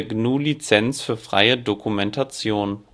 GNU Lizenz für freie Dokumentation